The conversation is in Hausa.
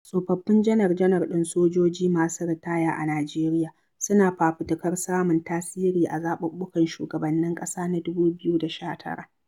Tsofaffin janar-janar ɗin sojoji masu ritaya a Najeriya suna fafutukar samun tasiri a zaɓuɓɓukan shugabannin ƙasa na 2019